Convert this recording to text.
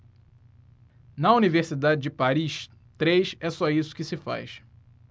na universidade de paris três é só isso que se faz